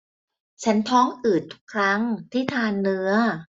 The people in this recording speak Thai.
ฉันท้องอืดทุกครั้งที่ทานเนื้อ